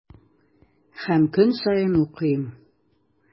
Һәм көн саен укыйм.